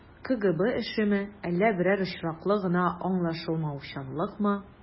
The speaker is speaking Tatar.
КГБ эшеме, әллә берәр очраклы гына аңлашылмаучанлыкмы?